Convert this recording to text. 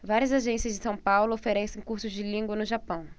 várias agências de são paulo oferecem cursos de língua no japão